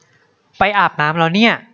ไปอาบน้ำแล้วเนี่ย